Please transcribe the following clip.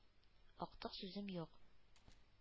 — актык сүзем юк.